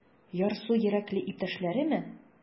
Ярсу йөрәкле иптәшләреме?